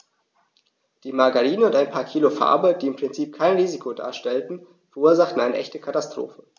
Die Margarine und ein paar Kilo Farbe, die im Prinzip kein Risiko darstellten, verursachten eine echte Katastrophe.